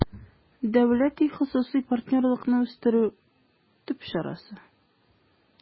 «дәүләти-хосусый партнерлыкны үстерү» төп чарасы